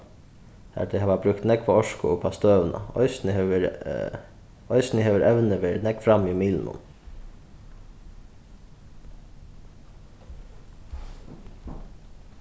har tey hava brúkt nógva orku upp á støðuna eisini hevur verið eisini hevur evnið verið nógv frammi í miðlunum